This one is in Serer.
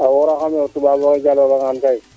a woora xame o Toubab oxe jalo gangan key